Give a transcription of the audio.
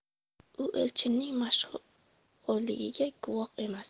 u elchinning mashhurligiga guvoh emas